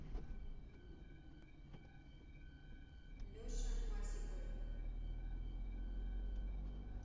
леша масикл